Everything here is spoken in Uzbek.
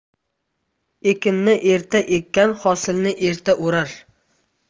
ekinni erta ekkan hosilni erta o'rar